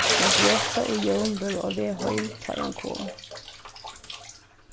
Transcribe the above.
margreta og jón vóru á veg heim tá ið hann kom